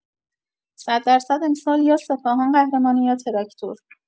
صددرصد امسال یا سپاهان قهرمانه یا تراکتور.